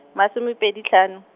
masome pedi hlano.